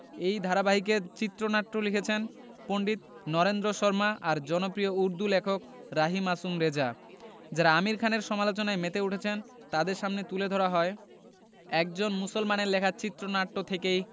এই ধারাবাহিকে চিত্রনাট্য লিখেছেন পণ্ডিত নরেন্দ্র শর্মা আর জনপ্রিয় উর্দু লেখক রাহি মাসুম রেজা যাঁরা আমির খানের সমালোচনায় মেতে উঠেছেন তাঁদের সামনে তুলে ধরা হয় একজন মুসলমানের লেখা চিত্রনাট্য থেকেই